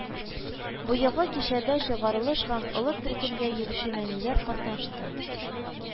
Быелгы кичәдә чыгарылыш һәм олы төркемгә йөрүченәниләр катнашты